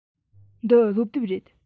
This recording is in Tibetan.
འདི སློབ དེབ རེད